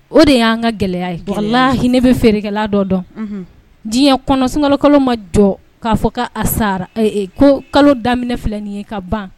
O de y'an ka gɛlɛya ye ,walahi ne bɛ ferekɛla dɔ dɔn. Unhun. .Diɲɛ kɔnɔ sunkolo kalo ma jɔ k'a fɔ a sara kalo daminɛ filɛ nin ye ka ban